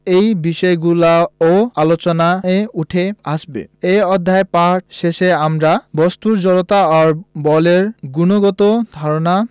এই বিষয়গুলোও আলোচনায় উঠে আসবে এ অধ্যায় পাঠ শেষে আমরা বস্তুর জড়তা ও বলের গুণগত ধারণা